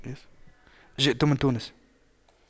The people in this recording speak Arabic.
جئت من تونس